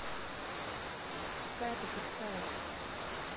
какая то фиксай